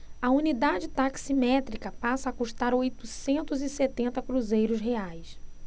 a unidade taximétrica passa a custar oitocentos e setenta cruzeiros reais